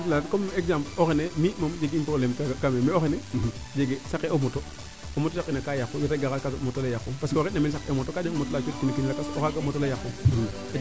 kem leya exemple o xene mi moom jegiim probleme kaaga mais o xene saqe o moto o motole te saq ina kaa yaqu yeete gara kaa soɓ o moto le yaqu parce que oxe ree ina meen saq ee o moto kaa jang u o motola a coxin o kiino lakas a soɓ o moto le yaqu